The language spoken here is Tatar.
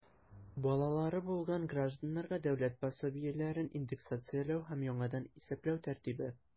Балалары булган гражданнарга дәүләт пособиеләрен индексацияләү һәм яңадан исәпләү тәртибе.